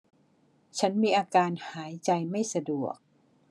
ฉันมีอาการหายใจไม่สะดวก